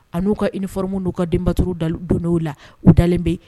A n'u ka i nioro minnu n' uu ka denbattouru da don la u dalen bɛ yen